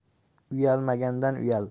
uyalmagandan uyal